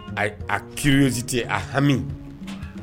A a kiirisi tɛ a hami